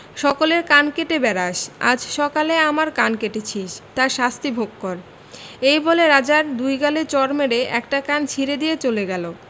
সকলের কান কেটে বেড়াস আজ সকালে আমার কান কেটেছিস তার শাস্তি ভোগ কর এই বলে রাজার দুই গালে চড় মেরে একটা কান ছিড়ে দিয়ে চলে গেল